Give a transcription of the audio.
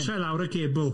Pwsiau lawr y cebl.